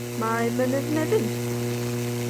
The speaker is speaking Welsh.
mae mynydd Nefyn.